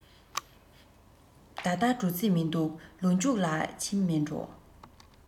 ད ལྟ འགྲོ རྩིས མི འདུག ལོ མཇུག ལ ཕྱིན མིན འགྲོ